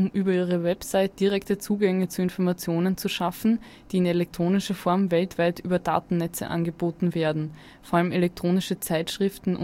über ihre Website direkte Zugänge zu Informationen zu schaffen, die in elektronischer Form weltweit über Datennetze angeboten werden (v. a. elektronische Zeitschriften